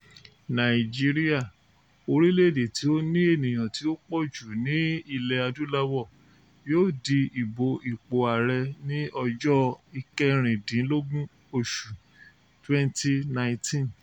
Nàìjíríà, orílẹ̀-èdè tí ó ní ènìyàn tí ó pọ̀ jù ní Ilẹ̀-Adúláwọ̀, yóò di ìbò ipò ààrẹ ní ọjọ́ 16, oṣù 2019.